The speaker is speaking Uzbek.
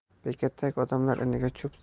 bekatdagi odamlar iniga cho'p